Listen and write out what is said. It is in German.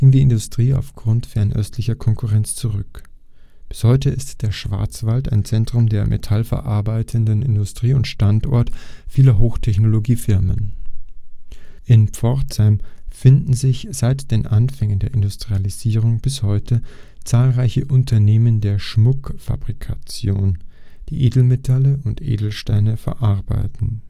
die Industrie auf Grund fernöstlicher Konkurrenz zurück. Bis heute ist der Schwarzwald ein Zentrum der metallverarbeitenden Industrie und Standort vieler Hochtechnologie-Firmen. In Pforzheim finden sich seit den Anfängen der Industrialisierung bis heute zahlreiche Unternehmen der Schmuckfabrikation, die Edelmetalle und Edelsteine verarbeiten